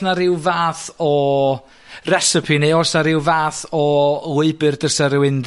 'na ryw fath o recipe neu oes 'na ryw fath o lwybyr dylse rywun